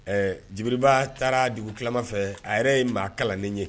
Ɛɛ jelibaba taara dugu tilama fɛ a yɛrɛ ye maa kalannen ye